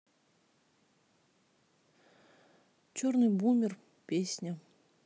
черный бумер песня